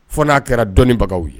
Fo n'a kɛra dɔnibagaw ye